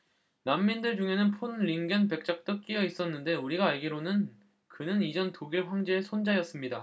난민들 중에는 폰 링겐 백작도 끼여 있었는데 우리가 알기로는 그는 이전 독일 황제의 손자였습니다